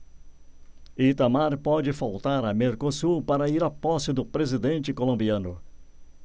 itamar pode faltar a mercosul para ir à posse do presidente colombiano